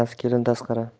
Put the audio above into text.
onasiz kelin tasqara